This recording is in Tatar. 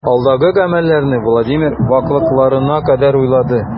Алдагы гамәлләрне Владимир ваклыкларына кадәр уйлады.